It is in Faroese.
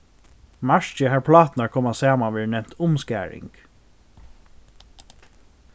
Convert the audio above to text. markið har pláturnar koma saman verður nevnt umskaring